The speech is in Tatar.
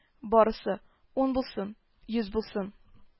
Барысы. Ун булсын, йөз булсын